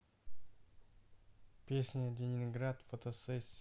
песня ленинграда фотосессия